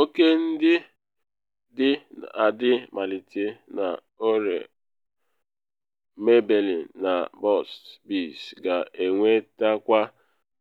Oke ndị dị adị malite na L'Oreal, Maybelline na Burt’s Bees ga-enwetakwa